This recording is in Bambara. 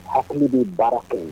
Ha b' baara kun